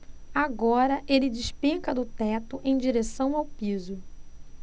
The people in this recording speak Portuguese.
agora ele despenca do teto em direção ao piso